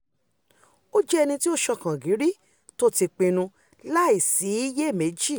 Ó jẹ́ ẹnití ó ṣọkàn gíri, tóti pinnu, láìsiyèméji.''